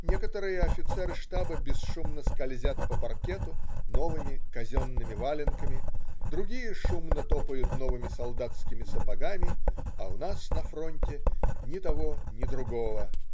Некоторые офицеры штаба бесшумно скользят по паркету новыми казенными валенками, другие шумно топают новыми солдатскими сапогами, а у нас на фронте ни того, ни другого.